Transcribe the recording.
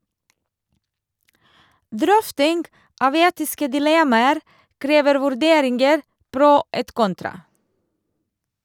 Drøfting av etiske dilemmaer krever vurderinger pro et contra.